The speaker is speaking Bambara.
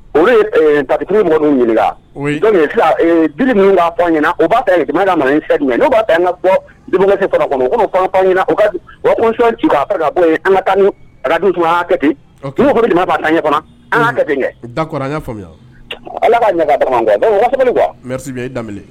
Olu ye tati m ɲininka jiri minnu ka ɲɛna u b'a ka bɔ an ka ala'